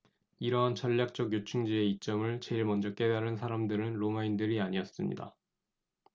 이러한 전략적 요충지의 이점을 제일 먼저 깨달은 사람들은 로마인들이 아니었습니다